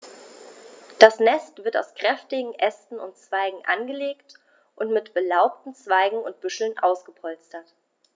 Das Nest wird aus kräftigen Ästen und Zweigen angelegt und mit belaubten Zweigen und Büscheln ausgepolstert.